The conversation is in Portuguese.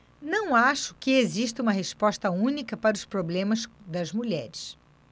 não acho que exista uma resposta única para os problemas das mulheres